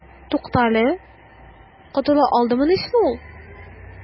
Туктале, котыла алдымыни соң ул?